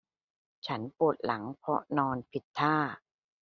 ฉันปวดหลังเพราะนอนผิดท่า